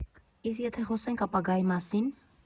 Իսկ եթե խոսենք ապագայի մասի՞ն։